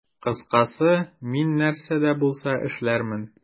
Кыскасы, мин нәрсә дә булса эшләрмен.